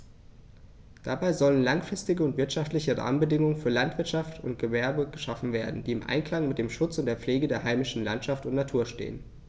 Dabei sollen langfristige und wirtschaftliche Rahmenbedingungen für Landwirtschaft und Gewerbe geschaffen werden, die im Einklang mit dem Schutz und der Pflege der heimischen Landschaft und Natur stehen.